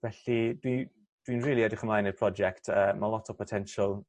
Felly dwi dwi'n rili edrych ymlaen i'r project yy ma' lot o potensial